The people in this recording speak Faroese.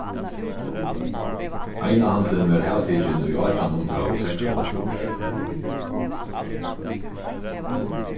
einahandilin varð avtikin í átjan hundrað og seksoghálvtrýss